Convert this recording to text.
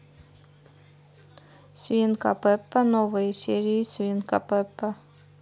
свинка пеппа новые серии свинка пеппа